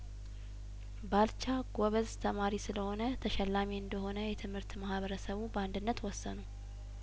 ባልቻ ጐበዝ ተማሪ ስለሆነ ተሸላሚ እንደሆነ የትምህርት ማህበረሰቡ በአንድነት ወሰኑ